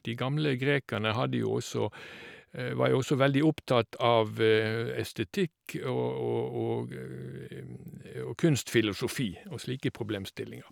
De gamle grekerne hadde jo også var jo også veldig opptatt av estetikk og og og og kunstfilosofi og slike problemstillinger.